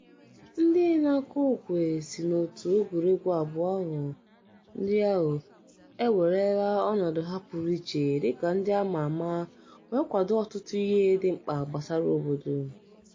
Ndị na-akụ okwe sị n'òtù egwuregwu abụọ ndị ahụ ewerela ọnọdụ ha pụrụ iche dịka ndị àmà àmá wee kwado ọtụtụ ihe dị mkpa gbasara obodo.